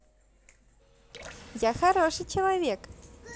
я хороший человек